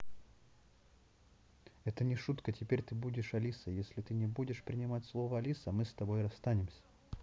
это не шутка теперь ты будешь алисой если ты не будешь принимать слово алиса мы с тобой расстанемся